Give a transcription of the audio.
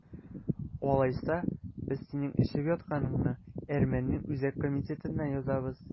Алайса, без синең эчеп ятканыңны әрмәннең үзәк комитетына язабыз!